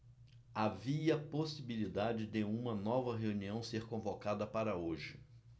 havia possibilidade de uma nova reunião ser convocada para hoje